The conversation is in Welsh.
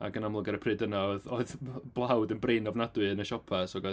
Ac yn amlwg ar y pryd yna oedd oedd blawd yn brin ofnadwy yn y siopau so ga-...